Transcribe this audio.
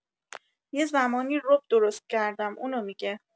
یه زمانی رب درست کردم اونو می‌گه